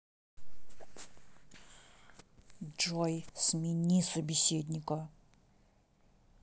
джой смени собеседника